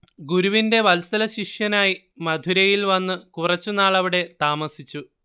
ഗുരുവിന്റെ വത്സലശിഷ്യനായി മധുരയിൽ വന്ന് കുറച്ചുനാൾ അവിടെ താമസിച്ചു